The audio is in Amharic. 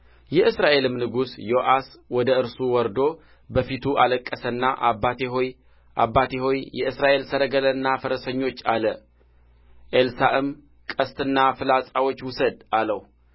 የእስራኤልም ንጉሥ ዮአስ ወደ እርሱ ወርዶ በፊቱ አለቀሰና አባቴ ሆይ አባቴ ሆይ የእስራኤል ሰረገላና ፈረሰኞች አለ ኤልሳዕም ቀስትና ፍላጻዎች ውሰድ አለው